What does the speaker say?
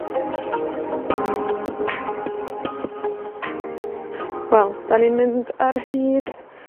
Wel, 'dan ni'n mynd ar hyd